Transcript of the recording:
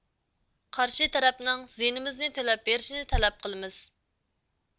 قارشى تەرەپنىڭ زىيىنىمىزنى تۆلەپ بېرىشىنى تەلەپ قىلىمىز